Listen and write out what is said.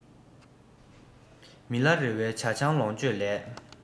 མི ལ རེ བའི ཇ ཆང ལོངས སྤྱོད ལས